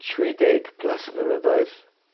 tri deg plys o blynyddoedd.